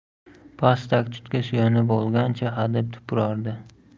pastak tutga suyanib olgancha hadeb tupurardi